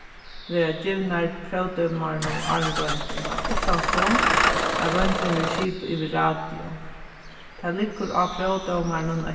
verða givnar próvdómaranum áðrenn royndina uttan so at royndin verður skipað yvir radio tað liggur á próvdómaranum at